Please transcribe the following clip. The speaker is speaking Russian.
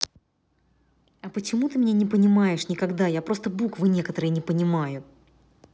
а почему ты меня не понимаешь никогда я просто буквы некоторые не понимают